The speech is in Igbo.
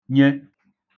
nye